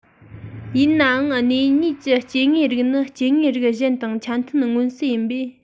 ཡིན ནའང སྣེ གཉིས ཀྱི སྐྱེ དངོས རིགས ནི སྐྱེ དངོས རིགས གཞན དང ཆ མཐུན མངོན གསལ ཡིན པས